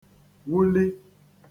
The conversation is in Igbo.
wulī